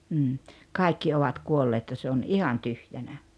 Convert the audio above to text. mm kaikki ovat kuolleet ja se on ihan tyhjänä